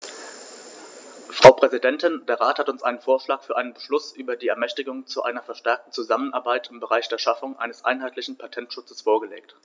Frau Präsidentin, der Rat hat uns einen Vorschlag für einen Beschluss über die Ermächtigung zu einer verstärkten Zusammenarbeit im Bereich der Schaffung eines einheitlichen Patentschutzes vorgelegt.